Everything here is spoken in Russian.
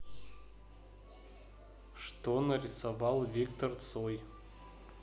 что нарисовал виктор цой